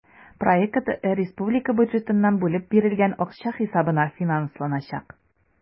Проект республика бюджетыннан бүлеп бирелгән акча хисабына финансланачак.